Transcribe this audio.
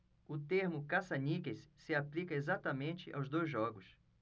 o termo caça-níqueis se aplica exatamente aos dois jogos